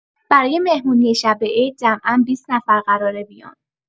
برای مهمونی شب عید جمعا ۲۰ نفر قراره بیان.